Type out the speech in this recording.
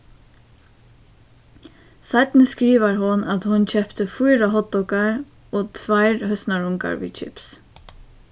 seinni skrivar hon at hon keypti fýra hotdoggar og tveir høsnarungar við kips